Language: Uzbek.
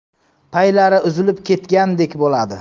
paylari uzilib ketgundek bo'ladi